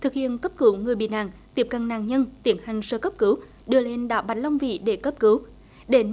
thực hiện cấp cứu người bị nạn tiếp cận nạn nhân tiến hành sơ cấp cứu đưa lên đảo bạch long vĩ để cấp cứu đến